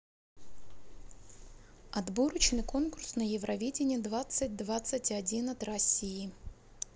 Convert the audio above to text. отборочный конкурс на евровидение двадцать двадцать один от россии